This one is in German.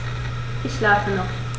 Ich schlafe noch.